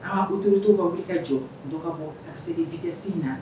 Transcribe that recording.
A ka autorités ka wili ka jɔ, dɔ ka bɔ excès de vitesse in na.